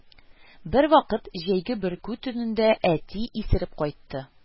Бервакыт җәйге бөркү төндә әти исереп кайтты